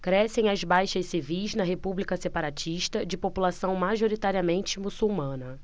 crescem as baixas civis na república separatista de população majoritariamente muçulmana